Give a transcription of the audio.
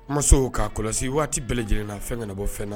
Ma k'a kɔlɔsi waati bɛɛ lajɛlenna fɛn ka bɔ fɛn na